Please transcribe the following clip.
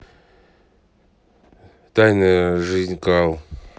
тайная жизнь коал